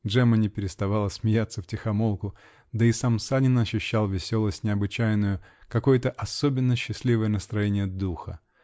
Джемма не переставала смеяться втихомолку, да и сам Санин ощущал веселость необычайную, какое-то особенно счастливое настроение духа.